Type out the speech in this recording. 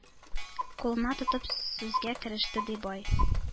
Кулына тотып сүзгә кереште, ди, бай: